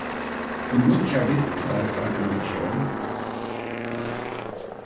um nýggjar vinklar og argumentatión